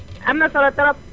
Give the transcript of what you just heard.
am na solo trop